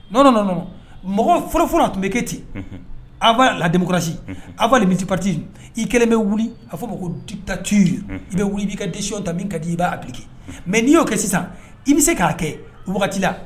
Nɔnɔɔnɔ mɔgɔ fɔlɔfɔlɔ tun bɛ kɛ ten a' ladimukurasi a' misiti pati i kɛlen bɛ wuli a fɔ ma kota turi i bɛ wuli'i ka disiy ta min ka di i b'a biki mɛ n'i y'o kɛ sisan i bɛ se k'a kɛ wagati la